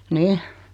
niin